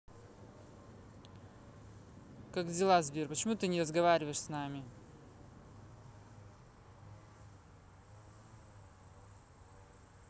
как дела сбер почему ты не разговариваешь с нами